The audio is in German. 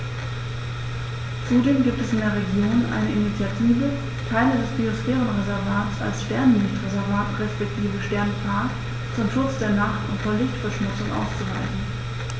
Zudem gibt es in der Region eine Initiative, Teile des Biosphärenreservats als Sternenlicht-Reservat respektive Sternenpark zum Schutz der Nacht und vor Lichtverschmutzung auszuweisen.